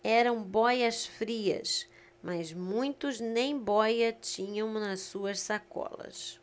eram bóias-frias mas muitos nem bóia tinham nas suas sacolas